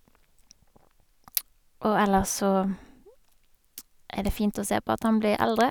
Og ellers så er det fint å se på at han blir eldre.